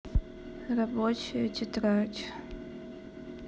рабочая тетрадь